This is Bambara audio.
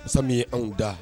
Sabu ye anw da